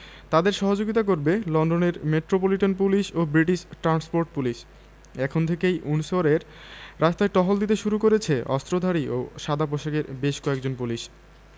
তাঁদের সহযোগিতা করবে লন্ডনের মেট্রোপলিটন পুলিশ ও ব্রিটিশ ট্রান্সপোর্ট পুলিশ এখন থেকেই উইন্ডসরের রাস্তায় টহল দিতে শুরু করেছে অস্ত্রধারী ও সাদাপোশাকের বেশ কয়েকজন পুলিশ